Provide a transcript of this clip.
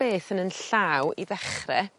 beth yn 'yn llaw i ddechre